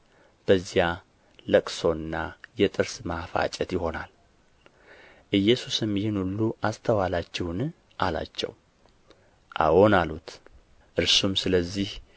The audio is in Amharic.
በዚያ ልቅሶና ጥርስ ማፋጨት ይሆናል ኢየሱስም ይህን ሁሉ አስተዋላችሁን አላቸው አዎን አሉት እርሱም ስለዚህ